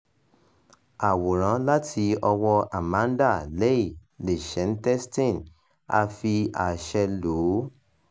Àwòrán láti ọwọ́ọ Amanda Leigh Lichtenstein, a fi àṣẹ lò ó.